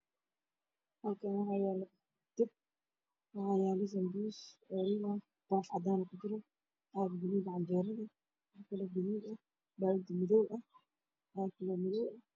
Waa saliid dabka saaran waxaa lagu karinayaa sambuus dugsiyaasha waa madow waxaa ag yaal weeraro kale